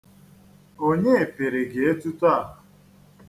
Onye pịrị gị etuto a?